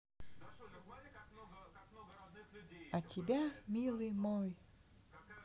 а тебя милый мой